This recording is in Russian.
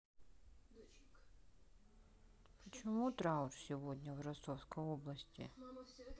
почему траур сегодня в ростовской области